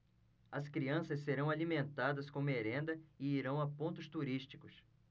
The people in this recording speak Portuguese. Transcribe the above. as crianças serão alimentadas com merenda e irão a pontos turísticos